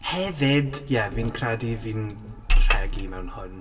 Hefyd ie fi'n credu fi'n rhegi mewn hwn.